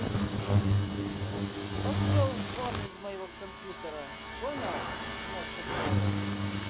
пошел вон из моего компьютера понял чмо тупое